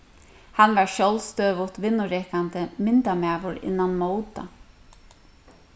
hann var sjálvstøðugt vinnurekandi myndamaður innan móta